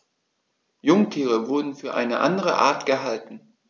Jungtiere wurden für eine andere Art gehalten.